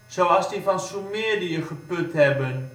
zoals die van Soemerië geput hebben